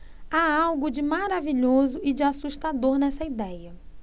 há algo de maravilhoso e de assustador nessa idéia